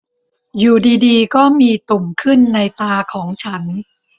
อยู่ดีดีก็มีตุ่มขึ้นในตาของฉัน